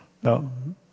ja.